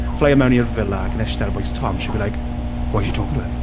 Ffleio mewn i'r villa ac yn eistedd ar bwys Tom she'll be like "Why she talking to him?"